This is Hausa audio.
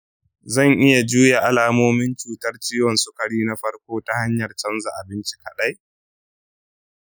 zan iya juya alamomin cutar ciwon sukari na farko ta hanyar canza abinci kaɗai?